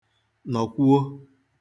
nokwuo